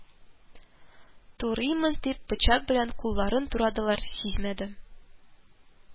Турыймыз дип, пычак белән кулларын турадылар, сизмәде